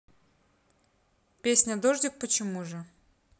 песня дождик почему же